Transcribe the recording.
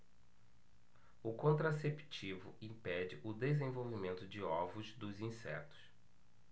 o contraceptivo impede o desenvolvimento de ovos dos insetos